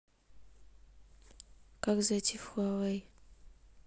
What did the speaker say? как зайти в хуавей